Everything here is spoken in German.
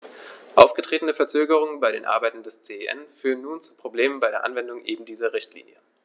Aufgetretene Verzögerungen bei den Arbeiten des CEN führen nun zu Problemen bei der Anwendung eben dieser Richtlinie.